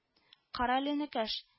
– карале, энекәш